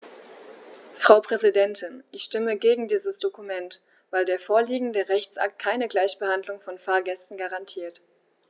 Frau Präsidentin, ich stimme gegen dieses Dokument, weil der vorliegende Rechtsakt keine Gleichbehandlung von Fahrgästen garantiert.